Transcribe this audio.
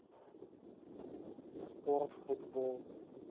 спорт футбол